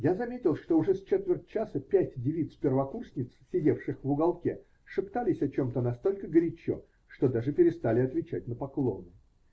Я заметил, что уже с четверть часа пять девиц-первокурсниц, сидевших в уголке, шептались о чем-то настолько горячо, что даже перестали отвечать на поклоны.